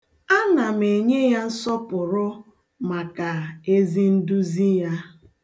Ana m enye ya nsọpụrụ maka ezi nduzi ya.